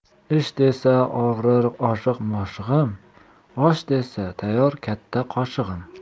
ish desa og'rir oshiq moshig'im osh desa tayyor katta qoshig'im